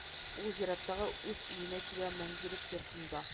Ул зираттагы үз өенә килгән мәңгелек йортында